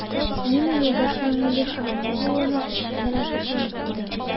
Нина юлдашының мондый хөрмәтле булуына эчтән генә шатланып куйды.